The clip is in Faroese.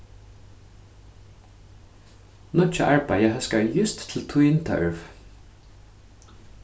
nýggja arbeiðið hóskar júst til tín tørv